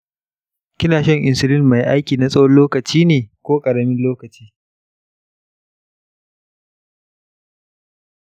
kina shan insulin mai aiki na tsawon lokaci ne ko mai aiki na ƙaramin lokaci?